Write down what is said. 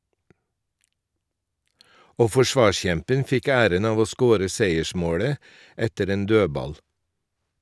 Og forsvarskjempen fikk æren av å score seiersmålet etter en dødball.